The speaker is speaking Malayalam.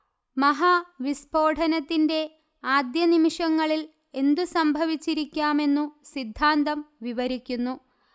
മഹാവിസ്ഫോടനത്തിന്റെ ആദ്യനിമിഷങ്ങളിൽ എന്തു സംഭവിച്ചിരിയ്ക്കാമെന്നു സിദ്ധാന്തം വിവരിയ്ക്കുന്നു